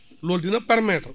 loolu dina permettre